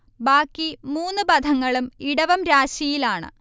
ബാക്കി മൂന്നു പഥങ്ങളും ഇടവം രാശിയിൽ ആണ്